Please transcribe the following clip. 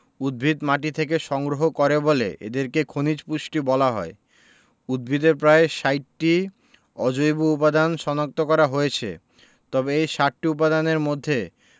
উদ্ভিদ মাটি থেকে সংগ্রহ করে বলে এদেরকে খনিজ পুষ্টি বলা হয় উদ্ভিদে প্রায় ৬০টি অজৈব উপাদান শনাক্ত করা হয়েছে তবে এই ৬০টি উপাদানের মধ্যে